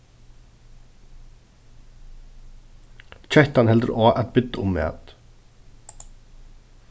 kettan heldur á at bidda um mat